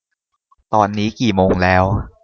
ตอนนี้กี่โมงแล้ว